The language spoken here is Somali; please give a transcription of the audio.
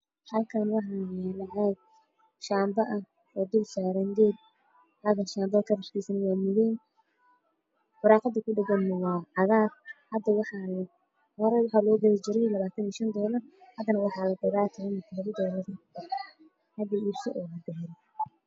Waxaa ii muuqda caagad shabaab ah kadi yahay madow cagaar ay saaran tahay geed marka hore waxay ahayd labaatan iyo shan doolar hadda waa toban iyo shan doolar